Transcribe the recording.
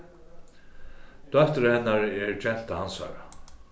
dóttir hennara er genta hansara